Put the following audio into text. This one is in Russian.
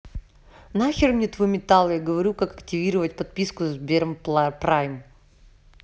нахер мне твой металл я говорю как активировать подписку сберпрайм